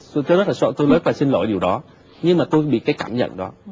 tôi rất là sợ tôi rất là xin lỗi điều đó nhưng mà tôi bị cái cảm nhận đó